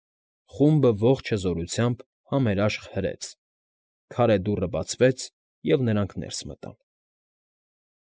Խումբը ողջ հզորությամբ համերաշխ հրեց. քարե դուռը բացվեց, և նրանք ներս մտան։